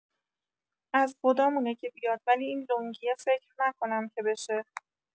از خدامونه که بیاد ولی این لنگیه فکر نکنم که بشه